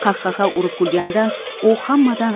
qahqaha urib kulganidan u hammadan